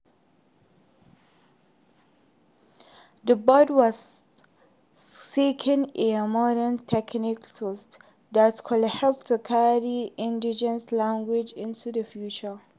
The Board was seeking a modern teaching tool that could help to carry indigenous languages into the future.